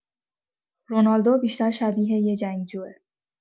رونالدو بیشتر شبیه یه جنگجوعه.